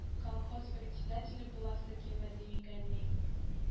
Колхоз председателе буласы килмәде микәнни